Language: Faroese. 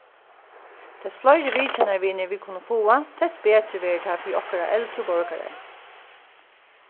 tess fleiri vitjanarvinir vit kunnu fáa tess betri verður tað fyri okkara eldru borgarar